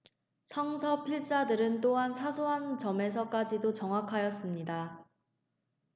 성서 필자들은 또한 사소한 점에서까지도 정확하였습니다